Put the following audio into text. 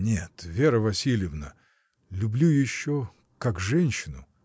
— Нет, Вера Васильевна, люблю еще — как женщину.